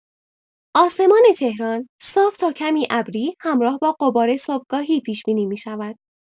آسمان تهران صاف تا کمی ابری همراه با غبار صبحگاهی پیش‌بینی می‌شود.